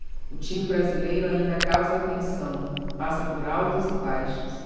o time brasileiro ainda causa apreensão passa por altos e baixos